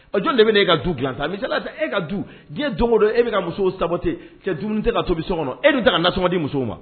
Jɔn de bɛ e ka du dilan tan e ka du diɲɛ don don e bɛ ka muso saba ten cɛ du tɛ ka tobi so kɔnɔ e dun ta ka natuma di musow ma